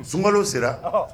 Sunkalo sera